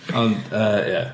Ond yy ia.